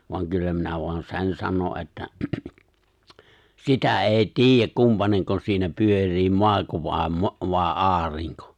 vaan kyllä minä vain sen sanon että sitä ei tiedä kumpainenko siinä pyörii maako vai - vai aurinko